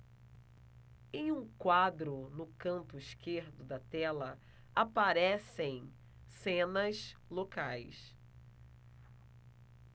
em um quadro no canto esquerdo da tela aparecem cenas locais